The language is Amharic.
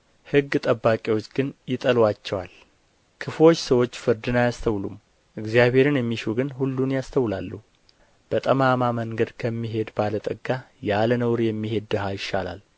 ሕግ ጠባቂዎች ግን ይጠሉአቸዋል ክፉዎች ሰዎች ፍርድን አያስተውሉም እግዚአብሔርን የሚሹ ግን ሁሉን ያስተውላሉ በጠማማ መንገድ ከሚሄድ ባለጠጋ ያለ ነውር የሚሄድ ድሀ ይሻላል